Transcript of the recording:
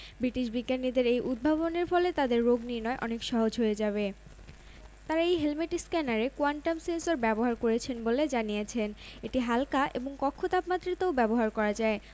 কিন্তু এমআরআই কিংবা সিটিস্ক্যানের এই গতানুগতিক পরীক্ষাকে অতীতে ঠেলে দিতে যাচ্ছেন ব্রিটেনের একদল বিজ্ঞানী প্রথম পর্যায়ে তারা মস্তিষ্কের ইমেজিং নিয়ে কাজ করেছেন